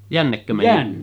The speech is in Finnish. Jännekö meni